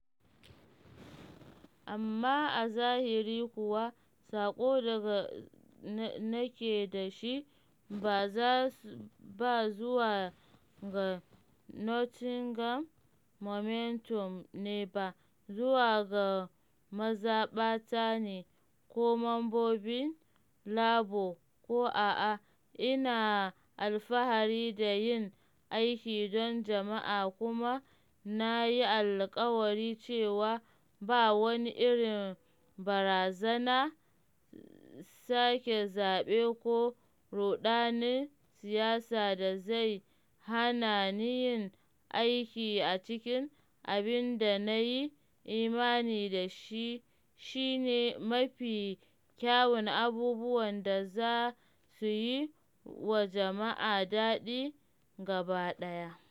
Amma a zahiri kuwa saƙo ɗaya da nake da shi ba zuwa ga Nottingham Momentum ne ba, zuwa ga mazaɓata ne, ko mambobin Labour ko a’a: Ina alfahari da yin aiki don jama’a kuma na yi alkawari cewa ba wani irin barazana sake zaɓe ko ruɗanin siyasa da zai hana ni yin aiki a cikin abin da na yi imani da shi shi ne mafi kyawun abubuwan da za su yi wa jama’a dadi gaba ɗaya.